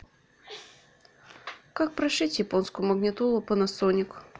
как прошить японскую магнитолу панасоник